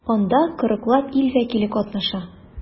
Анда 40 лап ил вәкиле катнаша.